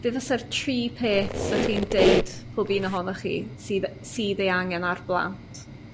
be' fyse'r tri peth sy chi'n deud pob un ohonoch chi sydd yy sydd ei angen a'r blant?